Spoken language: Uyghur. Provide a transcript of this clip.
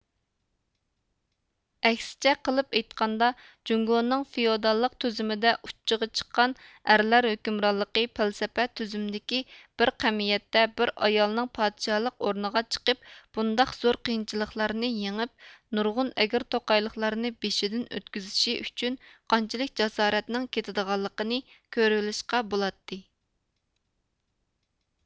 ئەكسىچە قىلىپ ئېيتقاندا جۇڭگۇنىڭ فىئوداللىق تۈزۈمىدە ئۇچچىغا چىققان ئەرلەر ھۆكۈمرانلىقى پەلسەپە تۈزۈمدىكى بىر قەمىيەتتە بىر ئايالنىڭ پادىشالىق ئورنىغا چىقىپ بۇنداق زور قىينچىلىقلارنى يېڭىپ نۇرغۇن ئەگىر توقايلىقلارنى بېشىدىن ئۆتكۈزۈشى ئۈچۈن قانچىلىك جاسارەتنىڭ كېتىدىغانلىقىنى كۆرۈۋېلىشقا بولاتتى